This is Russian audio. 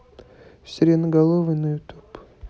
сиреноголовый на ютюб